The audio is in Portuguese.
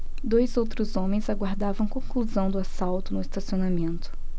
dois outros homens aguardavam a conclusão do assalto no estacionamento